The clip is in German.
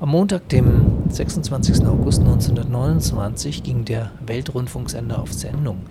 Montag, dem 26. August 1929 ging der „ Weltrundfunksender “auf Sendung.